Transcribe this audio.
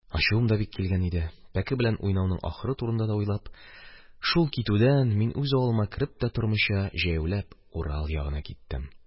Ачуым да бик килгән иде, пәке белән уйнауның ахыры турында да уйлап, шул китүдән мин, үз авылыма кереп тә тормыйча, җәяүләп Урал ягына киттем.